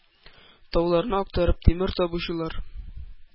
Тауларны актарып тимер табучылар,